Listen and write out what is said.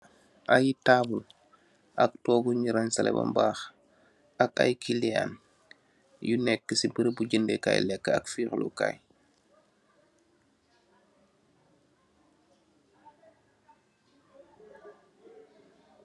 Ay taabul ak tuugu yu ranse le bam bax ak ay kiliyan yu neka si barabu jende kay lekk ak fex loo kay